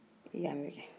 i y' a mɛn dɛɛ